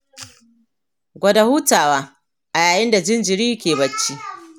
gwada hutawa a yayin da jinjiri ke bacci